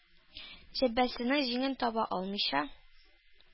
Җөббәсенең җиңен таба алмыйча,